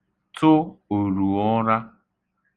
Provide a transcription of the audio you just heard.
tụ òrùụra